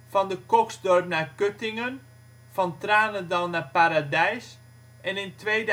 van De Cocksdorp naar Kuttingen, van Tranendal naar Paradijs; en in 2005-2006